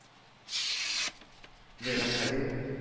Бәйрәмгали